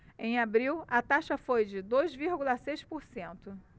em abril a taxa foi de dois vírgula seis por cento